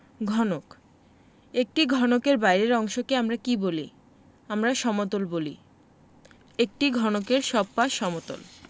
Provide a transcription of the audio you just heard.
ঘনক একটি ঘনকের বাইরের অংশকে আমরা কী বলি আমরা সমতল বলি একটি ঘনকের সব পাশ সমতল